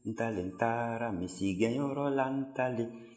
ntalen taara misigɛnyɔrɔ la ntalen